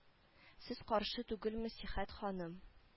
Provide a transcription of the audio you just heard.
Сез каршы түгелме сихәт ханым